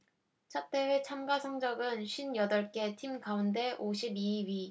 첫 대회 참가 성적은 쉰 여덟 개 팀 가운데 오십 이 위